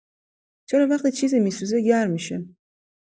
چرا وقتی چیزی می‌سوزه گرم می‌شه؟